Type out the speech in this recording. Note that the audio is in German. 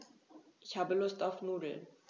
Ich habe Lust auf Nudeln.